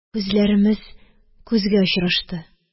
Күзләремез күзгә очрашты